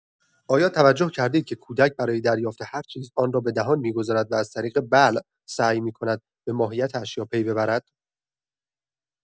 آیا توجه کرده‌اید که کودک برای دریافت هر چیز، آن را به دهان می‌گذارد و از طریق بلع، سعی می‌کند به ماهیت اشیا پی ببرد؟